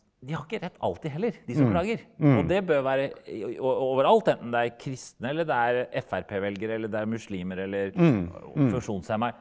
de har ikke rett alltid heller de som klager og det bør være overalt enten det er kristne eller det er FrP-velgere eller det er muslimer eller funksjonshemma.